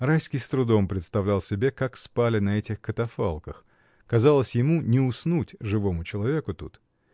Райский с трудом представлял себе, как спали на этих катафалках: казалось ему, не уснуть живому человеку тут.